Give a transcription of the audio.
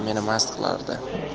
meni mast qilardi